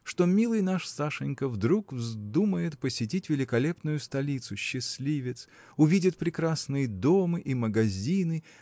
что милый наш Сашенька вдруг вздумает посетить великолепную столицу – счастливец! увидит прекрасные домы и магазины